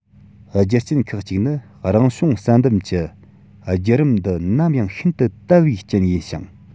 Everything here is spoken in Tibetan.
རྒྱུ རྐྱེན ཁག ཅིག ནི རང བྱུང བསལ འདེམས ཀྱི བརྒྱུད རིམ འདི ནམ ཡང ཤིན ཏུ དལ བའི རྐྱེན ཡིན ཞིང